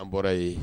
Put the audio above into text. An bɔra ye